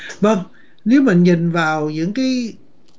vâng nếu mà nhìn vào những ký